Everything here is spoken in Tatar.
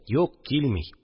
Юк, килми